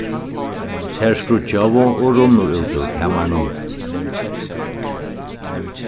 tær skríggjaðu og runnu út úr kamarinum